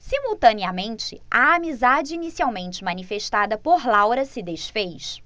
simultaneamente a amizade inicialmente manifestada por laura se disfez